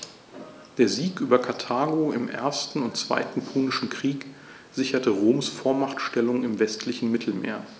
Der Sieg über Karthago im 1. und 2. Punischen Krieg sicherte Roms Vormachtstellung im westlichen Mittelmeer.